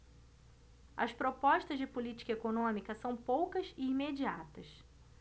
as propostas de política econômica são poucas e imediatas